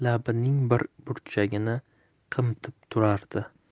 labining bir burchini qimtib turardi